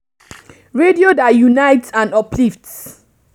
Radio that unites and uplifts